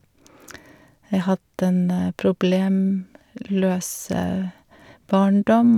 Jeg hadde en problemløs barndom.